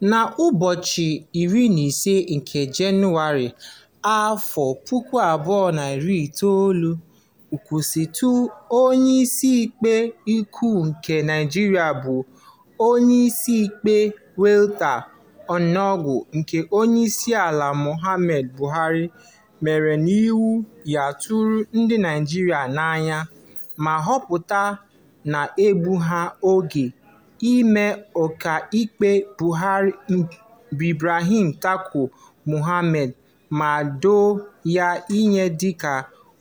N'ụbọchị 25 nke Jenụwarị, 2019, nkwụsịtụ Onyeisiikpe Ukwu nke Naịjirịa bụ Onyeisiikpe Walter Onnoghen nke Onyeisiala Muhammadu Buhari mere n'onwe ya tụrụ ndị Naịjirịa n'anya, ma nhọpụta na-egbughị oge e mere Ọkaikpe Ibrahim Tanko Muhammad ma doo ya iyi dịka